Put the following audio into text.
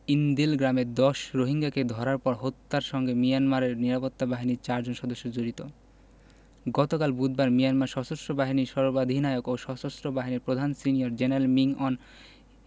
ইনদিল গ্রামে ১০ রোহিঙ্গাকে ধরার পর হত্যার সঙ্গে মিয়ানমারের নিরাপত্তা বাহিনীর চারজন সদস্য জড়িত গতকাল বুধবার মিয়ানমার সশস্ত্র বাহিনীর সর্বাধিনায়ক ও সশস্ত্র বাহিনীর প্রধান সিনিয়র জেনারেল মিন অং